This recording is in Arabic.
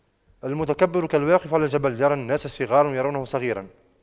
المتكبر كالواقف على الجبل يرى الناس صغاراً ويرونه صغيراً